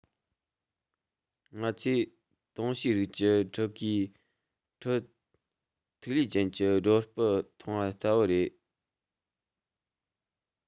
ང ཚོས དུང བྱའི རིགས ཀྱི ཕྲུ གུའི ཁྲོད ཐིག ལེ ཅན གྱི སྒྲོ སྤུ མཐོང བ ལྟ བུ རེད